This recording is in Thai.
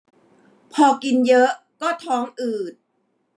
พอกินเยอะก็ท้องอืด